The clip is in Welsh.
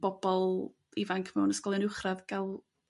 bobol ifanc mewn ysgolion uwchradd ga'l